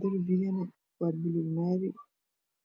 darbigana waa bulug maari.